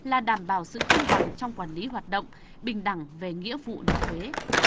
là đảm bảo sự công bằng trong quản lý hoạt động bình đẳng về nghĩa vụ nộp thuế